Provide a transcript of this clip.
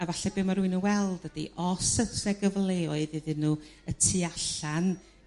A 'falle be' ma' rywyn yn weld ydi os o's y gyfleoedd iddyn nhw y tu allan